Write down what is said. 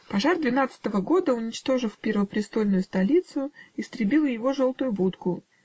Пожар двенадцатого года, уничтожив первопрестольную столицу, истребил и его желтую будку.